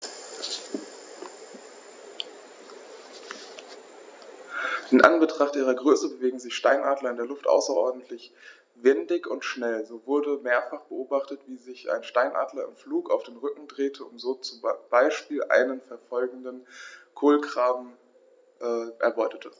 In Anbetracht ihrer Größe bewegen sich Steinadler in der Luft außerordentlich wendig und schnell, so wurde mehrfach beobachtet, wie sich ein Steinadler im Flug auf den Rücken drehte und so zum Beispiel einen verfolgenden Kolkraben erbeutete.